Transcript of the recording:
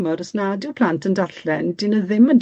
Ch'mod, os nad yw plant yn darllen, 'dyn nw ddim yn